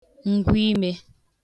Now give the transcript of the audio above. ǹgwụimē